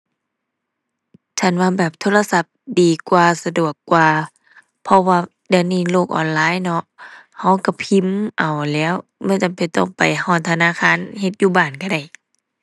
ฉันว่าแบบโทรศัพท์ดีกว่า สะดวกกว่า เพราะว่าเดี๋ยวนี้โลกออนไลน์เนาะ เราเราพิมพ์เอาแหล้ว ไม่จำเป็นต้องไปฮอดธนาคารเฮ็ดอยู่บ้านเราได้